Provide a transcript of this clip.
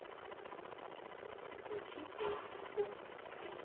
включи песню бум